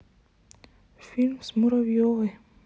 фильм с муравьевой